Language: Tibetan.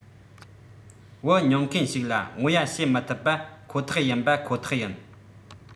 བུ མྱོང མཁན ཞིག ལ ངོ ཡ བྱེད མི ཐུབ པ ཁོ ཐག ཡིན པ ཁོ ཐག ཡིན